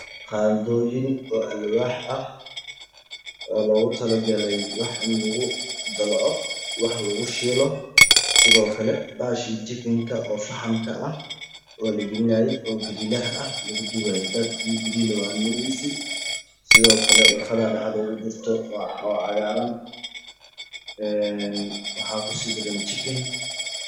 Qadooyin alwaax ah oo logu tala galay in wax lagu dalaco